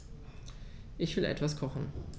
Ich will etwas kochen.